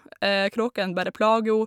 Kråkene bare plager ho.